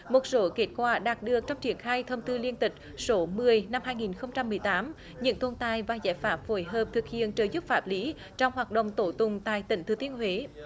một số kết quả đạt được trong triển khai thông tư liên tịch số mười năm hai nghìn không trăm mười tám những tồn tại và giải pháp phối hợp thực hiện trợ giúp pháp lý trong hoạt động tố tụng tại tỉnh thừa thiên huế